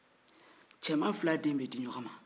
cɛman fila denw bɛ di ɲɔgɔn ma